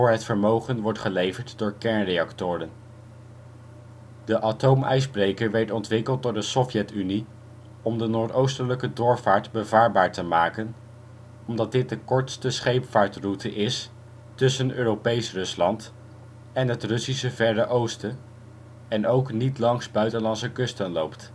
het vermogen wordt geleverd door kernreactoren. De atoomijsbreker werd ontwikkeld door de Sovjet-Unie om de Noordoostelijke Doorvaart bevaarbaar te maken, omdat dit de kortste scheepvaartroute is tussen Europees Rusland en het Russische Verre Oosten en ook niet langs buitenlandse kusten loopt